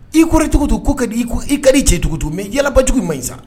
I koɔri cogo to don ko ka di i ko i ka di cɛ cogotu mɛ yalabajugu ma ɲi sa